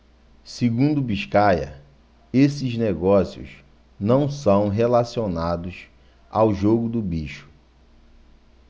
segundo biscaia esses negócios não são relacionados ao jogo do bicho